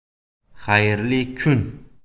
xayrli kun